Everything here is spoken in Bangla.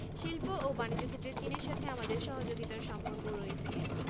সংগৃহীত জাতীয় শিক্ষাক্রম ও পাঠ্যপুস্তক বোর্ড বাংলাদেশ ভূগোল ও পরিবেশ বিজ্ঞান এর বই অন্তর্ভুক্ত